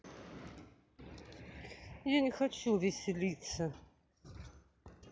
я не хочу вселиться